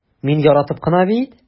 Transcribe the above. Мин яратып кына бит...